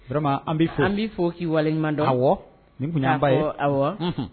Yɔrɔ an b bɛi fɔ k' waliɲuman dɔn aw ni ba aw